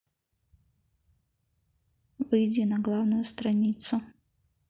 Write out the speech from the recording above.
выйди на главную страницу